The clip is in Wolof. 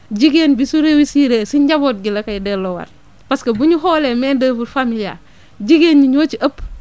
jigéen bi su réussir si njaboot gi la koy delloowaat parce que bu ñu xoolee main d' oeuvre familial jigéen ñi ñoo ci ëpp